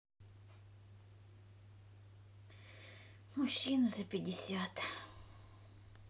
мужчина за пятьдесят